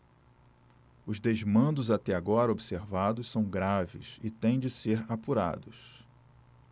os desmandos até agora observados são graves e têm de ser apurados